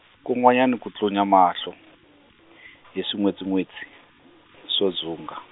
kun'wana ku tlunya mahlo , hi swin'wetsin'wetsi, swo dzunga.